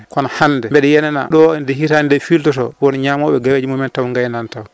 kono hande yenana ɗo nde hitande nde filtoto won ñamoɗe gawe mum taw gaynani taw